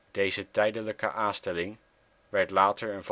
Deze tijdelijke aanstelling werd later